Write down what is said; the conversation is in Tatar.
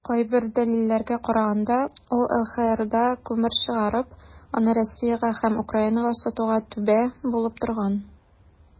Кайбер дәлилләргә караганда, ул ЛХРда күмер чыгарып, аны Россиягә һәм Украинага сатуга "түбә" булып торган.